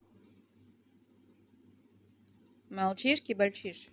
молчишь кибальчишь